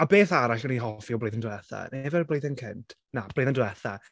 A beth arall o'n i'n hoffi o blwyddyn diwethaf neu ife'r blwyddyn cynt? Na, blwyddyn diwethaf.